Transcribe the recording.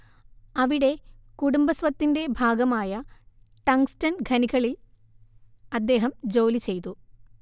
അവിടെ കുടുംബസ്വത്തിന്റെ ഭാഗമായ ടങ്ങ്സ്ടൻ ഖനികളിൽ അദ്ദേഹം ജോലിചെയ്തു